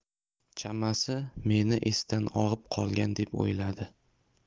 chamasi meni esdan og'ib qolgan deb o'yladi